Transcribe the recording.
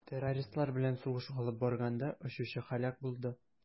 Террористлар белән сугыш алып барганда очучы һәлак булды.